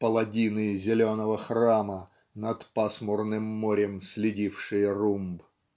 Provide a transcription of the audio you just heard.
"палладины Зеленого Храма, над пасмурным морем следившие румб".